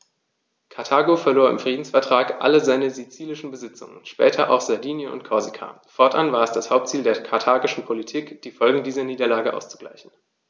Karthago verlor im Friedensvertrag alle seine sizilischen Besitzungen (später auch Sardinien und Korsika); fortan war es das Hauptziel der karthagischen Politik, die Folgen dieser Niederlage auszugleichen.